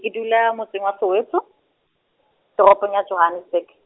ke dula motseng wa Soweto, toropong ya Johannesburg.